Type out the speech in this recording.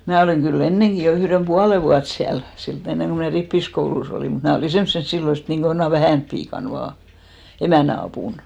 minä olin kyllä ennenkin jo yhden puolen vuotta siellä siltä ennen kuin minä rippikoulussa olin mutta minä olin semmoisena silloin niin kuin jonakin vähänä piikana vain emännän apuna